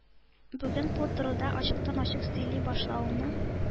Бүген бу турыда ачыктан-ачык сөйли башлауны